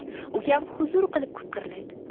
ukam huzur qilib qiqirlaydi